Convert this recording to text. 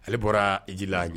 Ale bɔra ji la ɲɛ